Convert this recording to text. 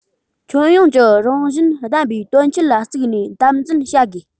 ཁྱོན ཡོངས ཀྱི རང བཞིན ལྡན པའི དོན ཆེན ལ བརྩིས ནས དམ འཛིན བྱ དགོས